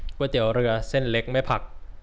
ก๋วยเตี๋ยวเรือเส้นเล็กไม่ผัก